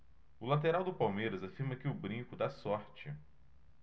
o lateral do palmeiras afirma que o brinco dá sorte